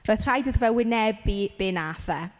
Roedd rhaid iddo fe wynebu be wnaeth e.